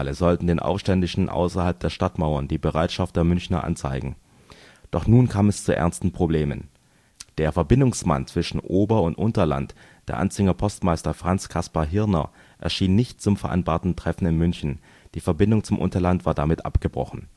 sollten den Aufständischen außerhalb der Stadtmauern die Bereitschaft der Münchener anzeigen. Doch nun kam es zu ernsten Problemen: Der Verbindungsmann zwischen Ober - und Unterland, der Anzinger Postmeister Franz Kaspar Hierner erschien nicht zum vereinbarten Treffen in München, die Verbindung zum Unterland war damit abgebrochen